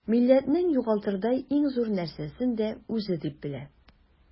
Милләтнең югалтырдай иң зур нәрсәсен дә үзе дип белә.